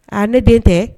A ne den tɛ